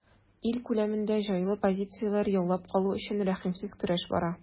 Ил күләмендә җайлы позицияләр яулап калу өчен рәхимсез көрәш бара.